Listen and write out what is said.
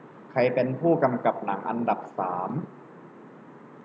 ใครเป็นผู้กำกับหนังอันดับสาม